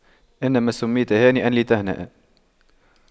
إنما سُمِّيتَ هانئاً لتهنأ